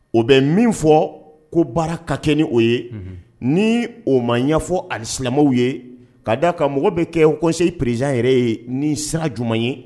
O bɛ min fɔ ko baara ka kɛ ni o ye ni o ma ɲɛfɔ ani silamɛw ye ka d'a kan mɔgɔ bɛ kɛɔse perezan yɛrɛ ye nin san jumɛn ye